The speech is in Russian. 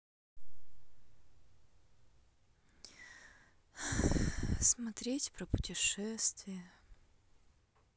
смотреть про путешествия